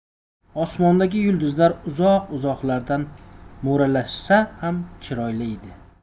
osmondagi yulduzlar uzoq uzoqlardan mo'ralashsa ham chiroyli edi